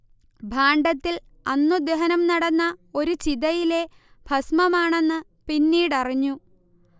ഭാണ്ഡത്തിൽ അന്നു ദഹനം നടന്ന ഒരു ചിതയിലെ ഭസ്മമാണെന്ന് പിന്നീടറിഞ്ഞു